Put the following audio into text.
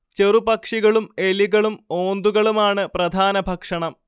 ചെറു പക്ഷികളും എലികളും ഓന്തുകളുമാണ് പ്രധാന ഭക്ഷണം